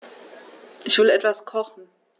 Ich will etwas kochen.